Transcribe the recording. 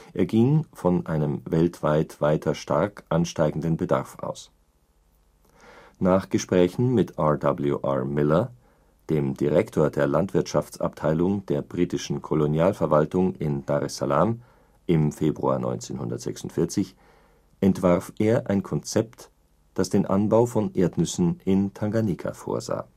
Er ging von einem weltweit weiter stark ansteigenden Bedarf aus. Nach Gesprächen mit R. W. R. Miller, dem Direktor der Landwirtschaftsabteilung der britischen Kolonialverwaltung in Dar es Salaam im Februar 1946 entwarf er ein Konzept, das den Anbau von Erdnüssen in Tanganyika vorsah